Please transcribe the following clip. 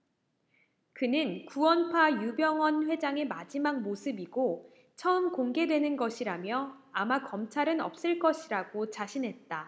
그는 구원파 유병언 회장의 마지막 모습이고 처음 공개되는 것이라며 아마 검찰은 없을 것이라고 자신했다